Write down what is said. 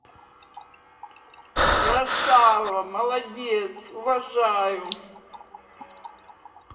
красава молодец уважаю